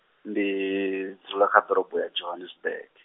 ndi, dzula kha ḓorobo ya Johannesburg.